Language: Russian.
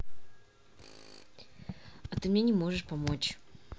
а ты мне не можешь помочь